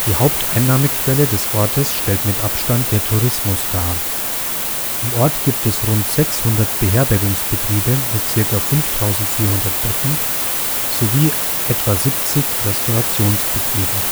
Haupteinnahmequelle des Ortes stellt mit Abstand der Tourismus dar. Im Ort gibt es rd. 600 Beherbergungsbetriebe mit ca. 5400 Betten sowie etwa 70 Restaurationsbetriebe